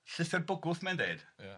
Llythyr bwgwth mae'n deud... ia